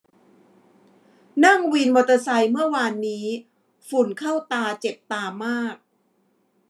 นั่งวินมอไซต์เมื่อวานนี้ฝุ่นเข้าตาเจ็บตามาก